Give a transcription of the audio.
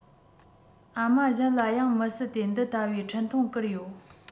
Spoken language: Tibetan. ཨ མ གཞན ལ ཡང མི སྲིད དེ འདི ལྟ བུའི འཕྲིན ཐུང བསྐུར ཡོད